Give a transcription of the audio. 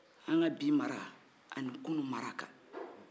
an ka bi mara ani kunu mara kan